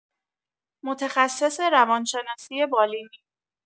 متخصص روان‌شناسی بالینی